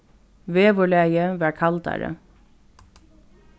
veðurlagið var kaldari